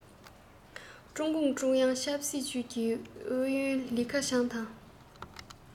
ཀྲུང གུང ཀྲུང དབྱང ཆབ སྲིད ཅུས ཀྱི རྒྱུན ཨུ ལི ཁེ ཆང དང